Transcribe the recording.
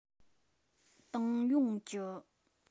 ཏང ཡོངས ཀྱི བློ མཐུན ཚོའི འབད འཐབ བྱེད པ ཐམས ཅད